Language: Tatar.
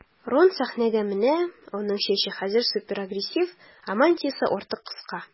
Рон сәхнәгә менә, аның чәче хәзер суперагрессив, ә мантиясе артык кыска.